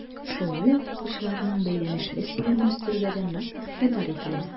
Шулай ук укучыларның бәйләнешле сөйләмен үстерүгә дә нык игътибар ителә.